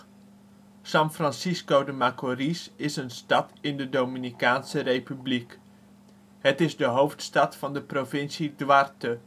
San Francisco de Macorís is een stad in de Dominicaanse Republiek, de hoofdstad van de provincie Duarte